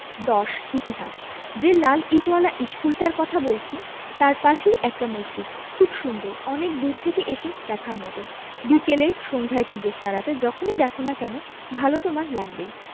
১০ ইতিহাস যে লাল ইটোয়ালা ইশকুলটার কথা বলছি তাই পাশেই একটা মসজিদ খুব সুন্দর অনেক দূর থেকে এসে দেখার মতো বিকেলে সন্ধায় কি জ্যোৎস্নারাতে যখনি দ্যাখো না কেন ভালো তোমার লাগবেই